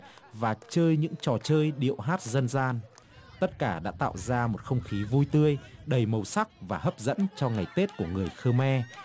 và chơi những trò chơi điệu hát dân gian tất cả đã tạo ra một không khí vui tươi đầy màu sắc và hấp dẫn cho ngày tết của người khơ me